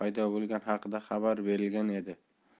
bo'lgani xaqida xabar berilgan edi